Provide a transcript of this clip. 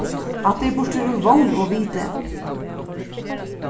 hatta er burtur úr vón og viti